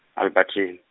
Alberton.